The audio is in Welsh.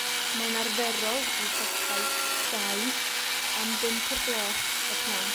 Mae'n arferol i siopau gau am bump o'r gloch y prynawn.